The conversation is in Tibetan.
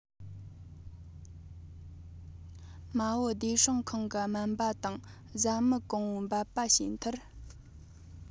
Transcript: མ བུ བདེ སྲུང ཁང གི སྨན པ དང བཟའ མི གང བོའི འབད པ བྱས མཐར